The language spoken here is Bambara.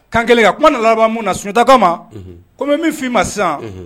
Kan kelen ka kuma nana laban mun na Sumunjata ka ma , Unhun ko be min fi ma sisan Unhun